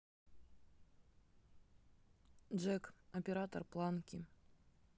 джек оператор планки